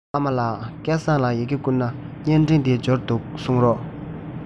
ཨ མ ལགས སྐལ བཟང ལ ཡི གེ བསྐུར ན བརྙན འཕྲིན དེ འབྱོར འདུག གསུངས རོགས